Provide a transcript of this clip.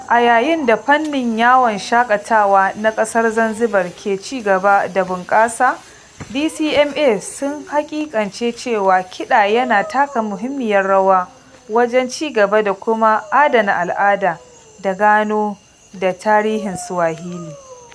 A yayin da fannin yawon shaƙatawa na ƙasar Zanzibar ke ci gaba da bunƙasa, DCMA sun haƙiƙance cewa kiɗa yana taka muhimmiyar rawa wajen cigaba da kuma adana al'ada da gado da tarihin Swahili.